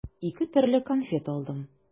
Ике төрле конфет алдым.